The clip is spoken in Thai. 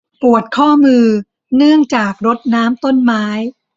ปวดข้อมือเนื่องจากรดน้ำต้นไม้